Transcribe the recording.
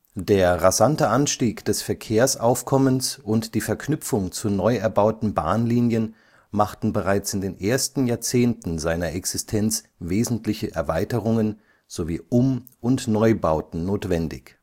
Der rasante Anstieg des Verkehrsaufkommens und die Verknüpfung zu neu erbauten Bahnlinien machten bereits in den ersten Jahrzehnten seiner Existenz wesentliche Erweiterungen sowie Um - und Neubauten notwendig